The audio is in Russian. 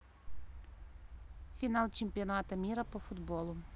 финал чемпионата мира по футболу